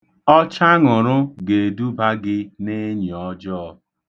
Ọchaṅụrụ ga-eduba gị n'enyi ọjọọ.